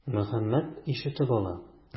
Мөхәммәт ишетеп ала.